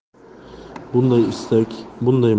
bunday istak bunday maqsad jahondagi